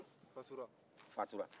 a fatura